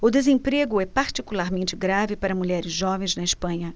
o desemprego é particularmente grave para mulheres jovens na espanha